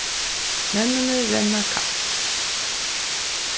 menninir renna kapp